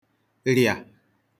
lịà